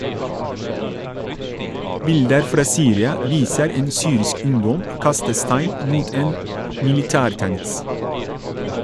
Bilder fra Syria viser en syrisk ungdom kaste stein mot en militærtanks.